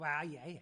Wa, ie, ie.